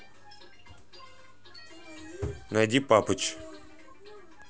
найди папыч